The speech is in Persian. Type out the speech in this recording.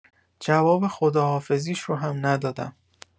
جواب خداحافظیش رو هم ندادم.